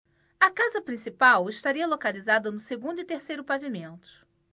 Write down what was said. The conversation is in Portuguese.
a casa principal estaria localizada no segundo e terceiro pavimentos